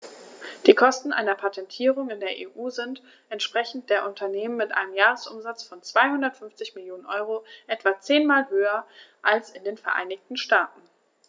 Die Kosten einer Patentierung in der EU sind, entsprechend der Unternehmen mit einem Jahresumsatz von 250 Mio. EUR, etwa zehnmal höher als in den Vereinigten Staaten.